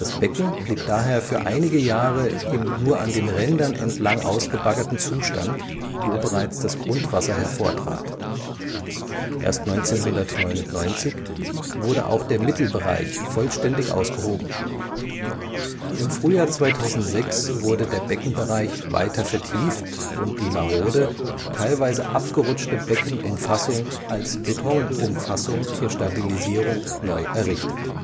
Becken blieb daher für einige Jahre im nur an den Rändern entlang ausgebaggerten Zustand, wo bereits das Grundwasser hervortrat. Erst 1999 wurde auch der Mittelbereich vollständig ausgehoben. Im Frühjahr 2006 wurde der Beckenbereich weiter vertieft und die marode, teilweise abgerutschte Beckenumfassung als Betonumfasssung zur Stabilisierung neu errichtet